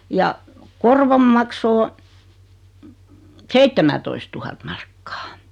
ja korvon maksu on seitsemäntoistatuhatta markkaa